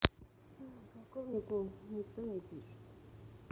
полковнику никто не пишет